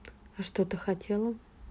а что ты хотела